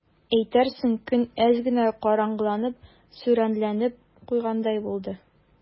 Әйтерсең, көн әз генә караңгыланып, сүрәнләнеп куйгандай булды.